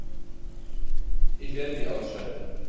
Ich werde sie ausschalten